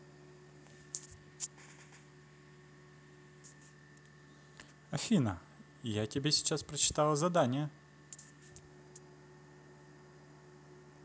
афина я тебя сейчас прочитала задание